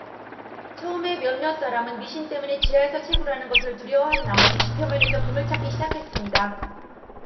처음에 몇몇 사람은 미신 때문에 지하에서 채굴하는 것을 두려워한 나머지 지표면에서 금을 찾기 시작했습니다